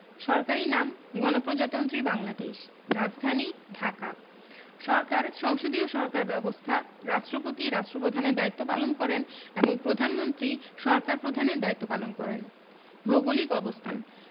সরকারি নামঃ গণপ্রজাতন্ত্রী বাংলাদেশ রাজধানীঃ ঢাকা সরকারঃ সংসদীয় সরকার ব্যবস্থা রাষ্ট্রপতি রাষ্ট্রপ্রধানের দায়িত্ব পালন করেন এবং প্রধানমন্ত্রী সরকার প্রধানের দায়িত্ব পালন করেন ভৌগোলিক অবস্থান